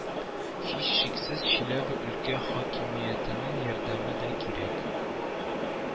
Һичшиксез, Чиләбе өлкә хакимиятенең ярдәме дә кирәк